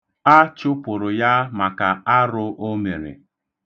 A chụpụrụ ya maka arụ o mere.